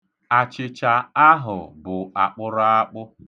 Achịcha ahụ bụ akpụraakpụ.